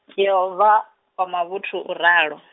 Yehova, wa mavhuthu uralo.